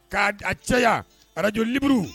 K'a a cɛya araj liburu